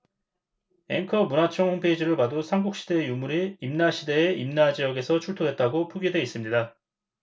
앵커 문화청 홈페이지를 봐도 삼국시대의 유물이 임나시대에 임나지역에서 출토됐다고 표기돼 있습니다